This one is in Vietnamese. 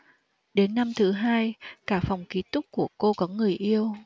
đến năm thứ hai cả phòng ký túc của cô có người yêu